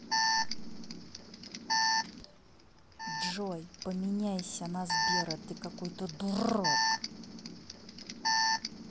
джой поменяйся на сбера ты какой то дурак